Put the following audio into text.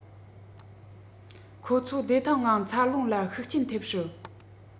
ཁོ ཚོ བདེ ཐང ངང འཚར ལོངས ལ ཤུགས རྐྱེན ཐེབས སྲིད